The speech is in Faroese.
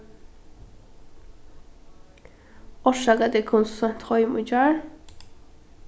orsaka at eg kom so seint heim í gjár